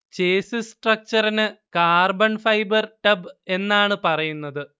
chassis സ്ട്രക്ചറിന് carbon fibre tub എന്നാണ് പറയുന്നത്